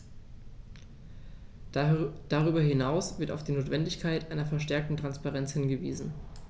Darüber hinaus wird auf die Notwendigkeit einer verstärkten Transparenz hingewiesen.